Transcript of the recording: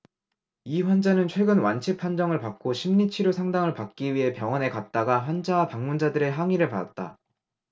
이 환자는 최근 완치 판정을 받고 심리 치료 상담을 받기 위해 병원에 갔다가 환자와 방문자들의 항의를 받았다